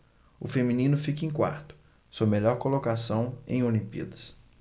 o feminino fica em quarto sua melhor colocação em olimpíadas